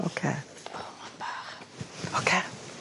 Ocê. O mam bach. Oce?